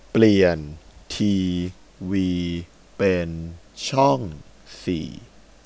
เปลี่ยนทีวีเป็นช่องสี่